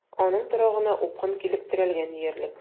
Аның торагына упкын килеп терәлгән диярлек.